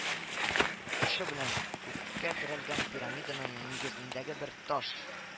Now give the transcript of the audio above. Очы белән күккә терәлгән пирамиданың нигезендәге бер таш